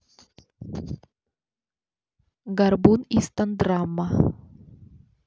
горбун из тондрамма